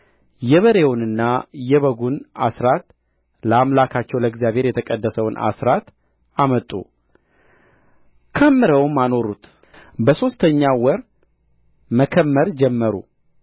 የበሬውንና የበጉን አሥራት ለአምላካቸውም ለእግዚአብሔር የተቀደሰውን አሥራት አመጡ ከምረውም አኖሩት በሦስተኛው ወር መከመር ጀመሩ